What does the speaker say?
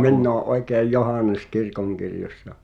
minä olen oikein Johannes kirkonkirjoissa